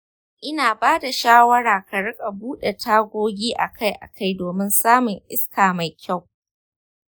ina ba da shawara ka riƙa buɗe tagogi akai-akai domin samun iska mai kyau.